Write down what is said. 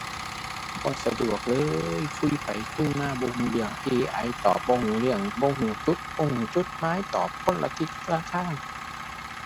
บ่สะดวกเลย คุยไปคุยมาบ่รู้เรื่อง AI ตอบบ่รู้เรื่อง บ่รู้จุด บ่รู้จุดหมาย ตอบคนละทิศคนละทาง